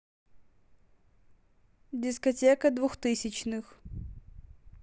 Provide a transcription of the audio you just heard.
дискотека двухтысячных